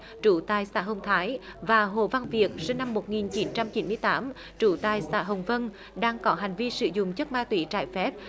trú tại xã hồng thái và hồ văn việt sinh năm một nghìn chín trăm chín mươi tám trú tại xã hồng vân đang có hành vi sử dụng chất ma túy trái phép